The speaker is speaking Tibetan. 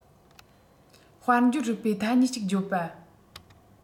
དཔལ འབྱོར རིག པའི ཐ སྙད ཅིག བརྗོད པ